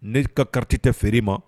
Ne ka karatati tɛ feere ma